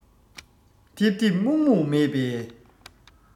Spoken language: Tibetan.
ཐིབ ཐིབ སྨུག སྨུག མེད པའི